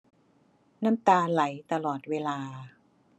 น้ำตาไหลตลอดเวลา